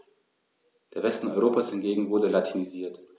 Der Westen Europas hingegen wurde latinisiert.